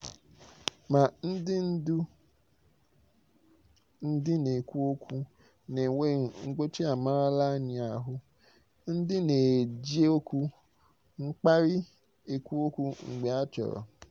Ma ndị ndú ndị na-ekwu okwu n'enweghị mgbochi amaarala anyị ahụ, ndị na-eji okwu mkparị ekwu okwu mgbe ha chọrọ.